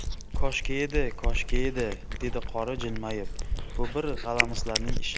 koshki edi koshki edi dedi qori jilmayib bu bir g'alamislarning ishi